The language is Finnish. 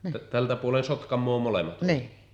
tältä puolen Sotkamoa molemmat ovat